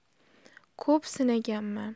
ko'p sinaganman